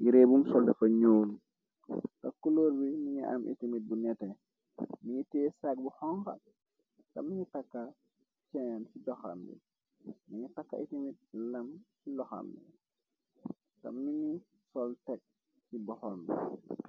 yi réebum solde fa ñool takkuloor bi mingi am itimit bu nete mingi tee sagg bu xonga ta mingi takka cen ci doxam bi mingi takka itimit lam ci doxam bi ta mingi sol teg ci bu xombi.